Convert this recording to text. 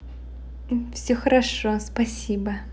все хорошо спасибо